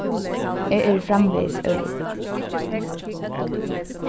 eg eri framvegis óður